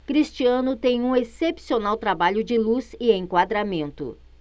cristiano tem um excepcional trabalho de luz e enquadramento